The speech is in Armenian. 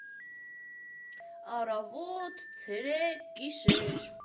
Առավո՜տ, ցերե՜կ, գիշե՜ր.